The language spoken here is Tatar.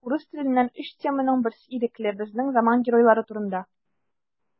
Урыс теленнән өч теманың берсе ирекле: безнең заман геройлары турында.